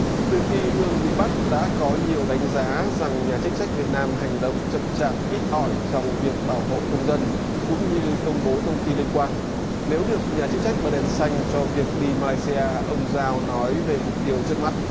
từ khi hương bị bắt đã có nhiều đánh giá rằng nhà chức trách việt nam hành động chậm chạp ít ỏi trong việc bảo hộ công dân cũng như công bố thông tin liên quan nếu được nhà chức trách bật đèn xanh cho việc đi ma lai si a ông giao nói về mục tiêu trước mắt